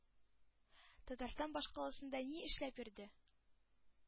Татарстан башкаласында ни эшләп йөрде?